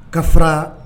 Ka fara